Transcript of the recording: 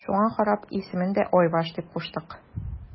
Шуңа карап исемен дә Айбаш дип куштык.